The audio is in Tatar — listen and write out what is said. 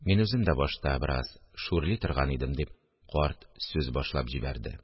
Мин үзем дә башта бераз шүрли торган идем, – дип, карт сүз башлап җибәрде